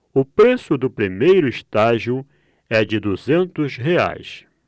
o preço do primeiro estágio é de duzentos reais